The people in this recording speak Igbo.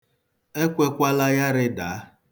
Ekwekwala ya rịdaa.